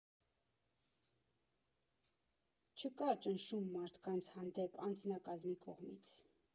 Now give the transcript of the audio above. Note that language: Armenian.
Չկա ճնշում մարդկանց հանդեպ անձնակազմի կողմից։